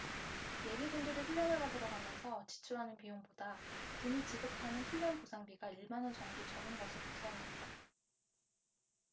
예비군들이 훈련을 받으러 가면서 지출하는 비용보다 군이 지급하는 훈련 보상비가 일 만원 정도 적은 것으로 드러났다